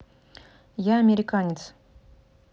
я американец